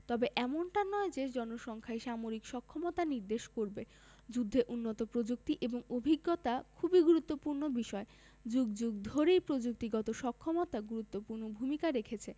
তবে এমনটা নয় যে জনসংখ্যাই সামরিক সক্ষমতা নির্দেশ করবে যুদ্ধে উন্নত প্রযুক্তি এবং অভিজ্ঞতা খুবই গুরুত্বপূর্ণ বিষয় যুগ যুগ ধরেই প্রযুক্তিগত সক্ষমতা গুরুত্বপূর্ণ ভূমিকা রেখেছে